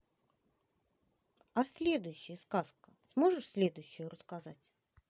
а следующая сказка сможешь следующую рассказать